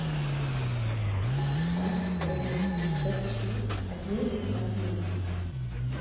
стас пердушкин depeche mode один в один